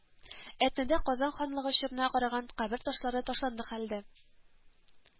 Әтнәдә Казан ханлыгы чорына караган кабер ташлары ташландык хәлдә